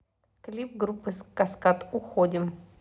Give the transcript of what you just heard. клип группы каскад уходим